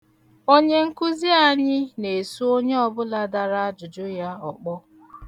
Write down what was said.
Onyenkụzi anyị na-esu onye ọbụla dara ajụjụ ya ọkpọ.